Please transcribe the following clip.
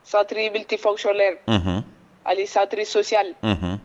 centre multifonctionnel an centre social unhun.